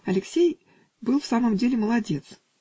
Алексей был в самом деле молодец.